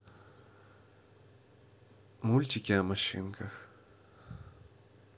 мультики о машинках